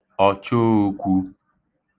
ọ̀choōkwū